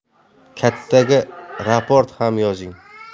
kattaga raport ham yozing